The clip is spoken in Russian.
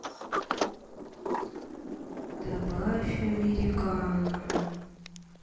добавь американо